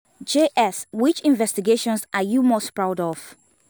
JS: Which investigations are you most proud of?